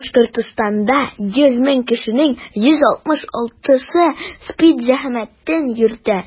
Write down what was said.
Башкортстанда 100 мең кешенең 166-сы СПИД зәхмәтен йөртә.